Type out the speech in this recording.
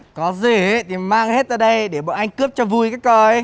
có gì ý thì mang hết ra đây để bọn anh cướp cho vui cái coi